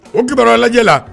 O kibaruya lajɛ la